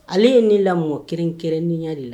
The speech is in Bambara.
Ale ye ne lamɔ kɛrɛnkɛrɛnnen ya de la.